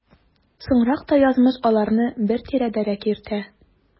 Соңрак та язмыш аларны бер тирәдәрәк йөртә.